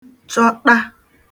chọṭa